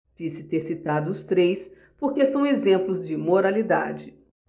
disse ter citado os três porque são exemplos de moralidade